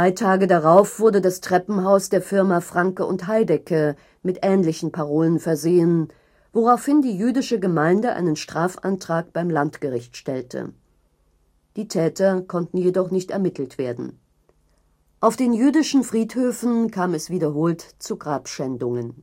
Tage darauf wurde das Treppenhaus der Firma Franke & Heidecke mit ähnlichen Parolen versehen, woraufhin die Jüdische Gemeinde einen Strafantrag beim Landgericht stellte. Die Täter konnten jedoch nicht ermittelt werden. Auf den jüdischen Friedhöfen kam es wiederholt zu Grabschändungen